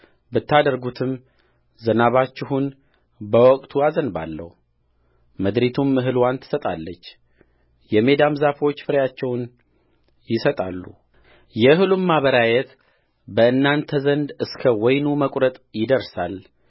ብታደርጉትምዝናባችሁን በወቅቱ አዘንባለሁ ምድሪቱም እህልዋን ትሰጣለች የሜዳው ዛፎችም ፍሬአቸውን ይሰጣሉየእህሉም ማበራየት በእናንተ ዘንድ እስከ ወይኑ መቍረጥ ይደርሳል